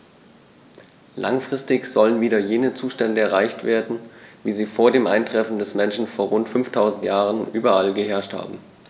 Langfristig sollen wieder jene Zustände erreicht werden, wie sie vor dem Eintreffen des Menschen vor rund 5000 Jahren überall geherrscht haben.